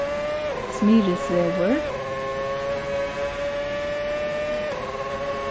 smyrilsvegur